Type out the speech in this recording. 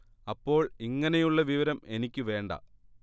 അപ്പോൾ ഇങ്ങനെയുള്ള വിവരം എനിക്ക് വേണ്ട